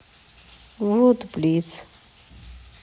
вот блиц